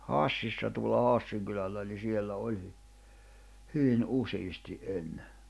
Hassissa tuolla Hassin kylällä niin siellä oli hyvin useasti ennen